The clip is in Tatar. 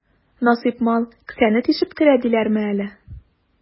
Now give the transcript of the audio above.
Насыйп мал кесәне тишеп керә диләрме әле?